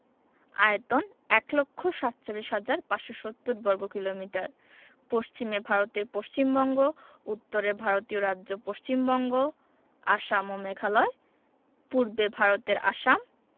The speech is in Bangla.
আয়তন ১লক্ষ ৪৭হাজার ৫৭০বর্গকিলোমিটার পশ্চিমে ভারতের পশ্চিমবঙ্গ উত্তরে ভারতীয় রাজ্য পশ্চিমবঙ্গ আসাম ও মেঘালয় পূর্বে ভারতের আসাম